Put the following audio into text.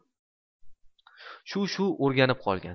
shu shu o'rganib qolgan